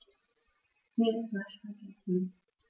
Mir ist nach Spaghetti.